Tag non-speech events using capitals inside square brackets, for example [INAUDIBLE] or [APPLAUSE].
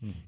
[HESITATION] [HESITATION]